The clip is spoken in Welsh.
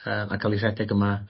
yy a ca'l 'i rhedeg yma